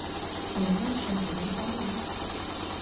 Соло җырлый ала.